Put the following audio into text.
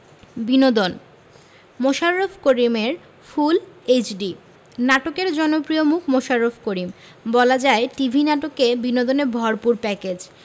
বিনোদন মোশাররফ করিমের full HD নাটকের জনপ্রিয় মুখ মোশাররফ করিম বলা যায় টিভি নাটকে বিনোদনে ভরপুর প্যাকেজ